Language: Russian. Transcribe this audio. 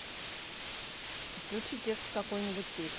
включи текст какой нибудь песни